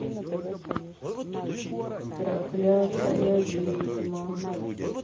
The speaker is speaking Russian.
проклятая ведьма